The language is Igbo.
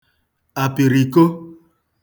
àpìrìko